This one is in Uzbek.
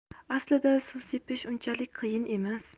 aslida suv sepish unchalik qiyin emas